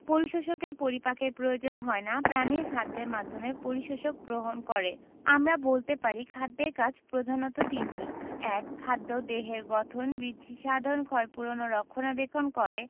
পরিপোষকের পরিপাকের প্রয়োজন হয় না প্রাণীরা খাদ্যের মাধ্যমে পরিপোষক গ্রহণ করে আমরা বলতে পারি খাদ্যের কাজ প্রধানত তিনটি ১. খাদ্য দেহের গঠন বৃদ্ধিসাধন ক্ষয়পূরণ ও রক্ষণাবেক্ষণ করে